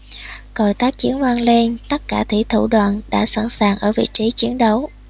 còi tác chiến vang lên tất cả thủy thủ đoàn đã sẵn sàng ở vị trí chiến đấu